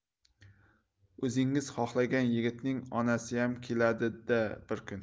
o'zingiz xohlagan yigitning onasiyam keladi da bir kun